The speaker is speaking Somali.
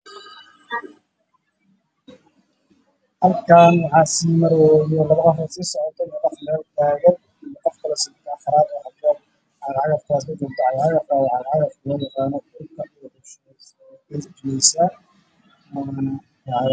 Waa wado waxaa maraayo niman iyo cagaf cagaf midabkeedu yahay jaalle